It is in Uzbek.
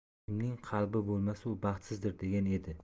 kimning qalbi bo'lmasa u baxtsizdir degan edi